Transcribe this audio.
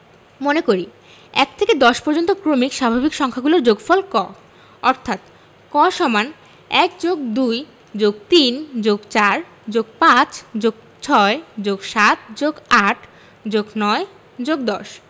মনে করি ১ থেকে ১০ পর্যন্ত ক্রমিক স্বাভাবিক সংখ্যাগুলোর যোগফল ক অর্থাৎ ক = ১+২+৩+৪+৫+৬+৭+৮+৯+১০